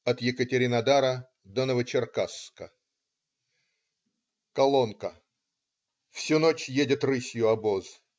ОТ ЕКАТЕРИНОДАРА ДО НОВОЧЕРКАССКА Колонка Всю ночь едет рысью обоз.